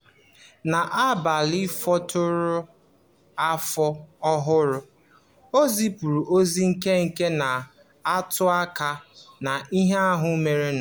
N'Abalị Fotere Afọ Ọhụrụ, o zipuru ozi nkenke na-atụ aka n'ihe ahụ merenụ.